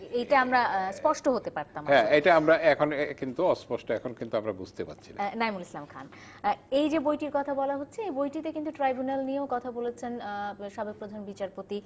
এইটা আমরা স্পষ্ট হতে পারতাম আসলে হ্যাঁ এইটা আমরা এখন আমরা কিন্তু এখন অস্পষ্ট আমরা এখন বুঝতে পারছি না নাঈমুল ইসলাম খান এই যে বইটির কথা বলা হচ্ছে এই বইটিতে কিন্তু ট্রাইবুনাল নিয়েও কথা বলেছেন সাবেক প্রধান বিচারপতি